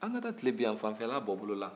an ka taa tilebinyanfan fɛla bɔ bolo la